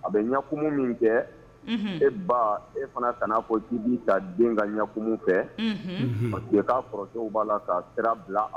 A bɛ ɲakumu min kɛ e ba e fana kana fɔ ki bi ka den ka ɲakumu fɛ . Parceque ka kɔrɔkɛw ba la ka sira bila.